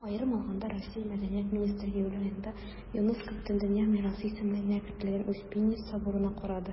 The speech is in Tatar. Аерым алганда, Россия Мәдәният министры июль аенда ЮНЕСКО Бөтендөнья мирасы исемлегенә кертелгән Успенья соборын карады.